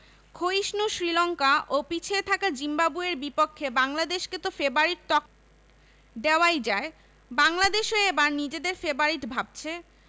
ক্ষয়িষ্ণু শ্রীলঙ্কা ও পিছিয়ে থাকা জিম্বাবুয়ের বিপক্ষে বাংলাদেশকে তো ফেবারিট তক দেওয়াই যায় বাংলাদেশও এবার নিজেদের ফেবারিট ভাবছে